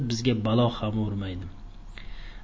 bizga balo xam urmaydi